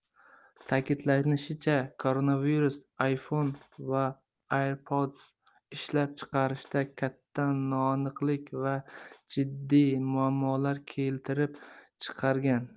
ta'kidlanishicha koronavirus iphone va airpods ishlab chiqarishda katta noaniqlik va jiddiy muammolar keltirib chiqargan